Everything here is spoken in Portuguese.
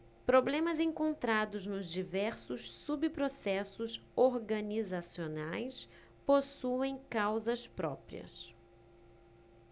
problemas encontrados nos diversos subprocessos organizacionais possuem causas próprias